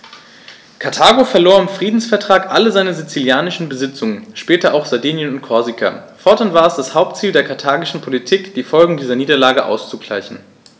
Karthago verlor im Friedensvertrag alle seine sizilischen Besitzungen (später auch Sardinien und Korsika); fortan war es das Hauptziel der karthagischen Politik, die Folgen dieser Niederlage auszugleichen.